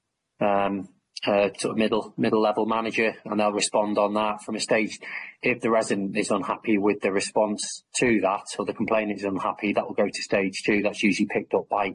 erm err sort of middle, middle level manager, and they'll respond on that from estates. If the resident is unhappy with the response to that, or the complainant is unhappy that will go to stage two, that's usually picked up by